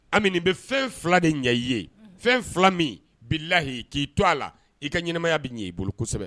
Ami, nin bɛ fɛn 2 de ɲɛ i ye. Fɛn 2 min, bilahi k'i to a la, i ka ɲɛnaya bɛ ɲɛ i bolo kosɛbɛ.